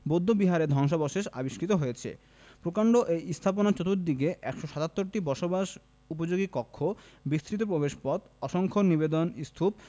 বৌদ্ধ বিহারের ধংসাবশেষ আবিষ্কৃত হয়েছে প্রকান্ড এই স্থাপনার চতুর্দিকের ১৭৭টি বসবাস উপযোগী কক্ষ বিস্তৃত প্রবেশপথ অসংখ্য নিবেদন স্তূপ